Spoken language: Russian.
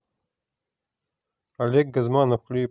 олег газманов клипы